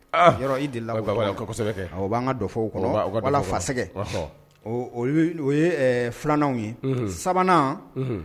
Yɔrɔ o b'an ka dɔfɔw kɔnɔ balafasɛgɛ o filananw ye sabanan